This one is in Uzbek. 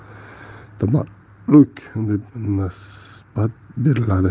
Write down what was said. ham tabarruk deb nisbat beriladi